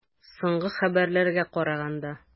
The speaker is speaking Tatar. Соңгы хәбәрләргә караганда.